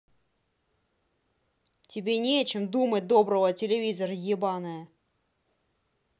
тебе нечем думать доброго телевизор ебаная